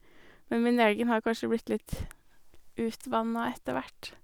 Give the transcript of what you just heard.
Men min egen har kanskje blitt litt utvanna etter hvert.